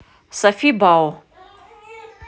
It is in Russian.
софи бао